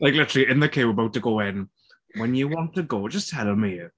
Like literally in the queue about to go in. "When you want to go just tell me."